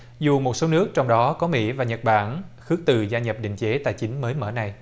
dù một số nước trong đó có mỹ và nhật bản khước từ gia nhập định chế tài chính mới mở này